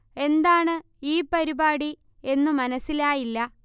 എന്താണ് ഈ പരിപാടി എന്നു മനസ്സിലായില്ല